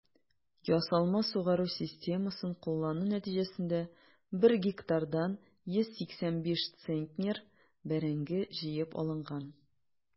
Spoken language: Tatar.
Ясалма сугару системасын куллану нәтиҗәсендә 1 гектардан 185 центнер бәрәңге җыеп алынган.